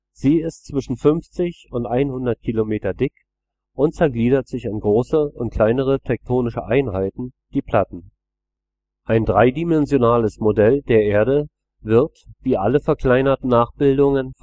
Sie ist zwischen 50 und 100 km dick und zergliedert sich in große und kleinere tektonische Einheiten, die Platten. Ein dreidimensionales Modell der Erde wird, wie alle verkleinerten Nachbildungen